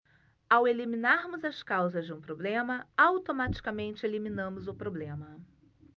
ao eliminarmos as causas de um problema automaticamente eliminamos o problema